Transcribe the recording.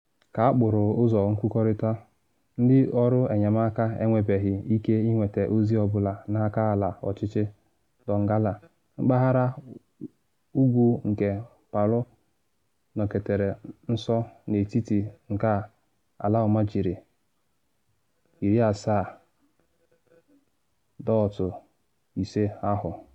Ka akụpụrụ ụzọ nkwukọrịta, ndị ọrụ enyemaka enwebeghị ike ịnweta ozi ọ bụla n’aka ala ọchịchị Donggala, mpaghara ugwu nke Palu nọketere nso na etiti nke ala ọmajiji 7.5 ahụ.